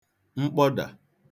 mkpọdà